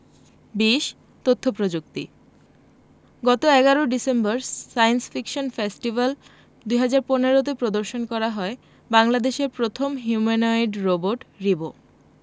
২০ তথ্য প্রযুক্তি গত ১১ ডিসেম্বর সায়েন্স ফিকশন ফেস্টিভ্যাল ২০১৫ তে প্রদর্শন করা হয় বাংলাদেশের প্রথম হিউম্যানোয়েড রোবট রিবো